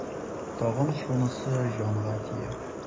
Тагын шунысы җанга тия.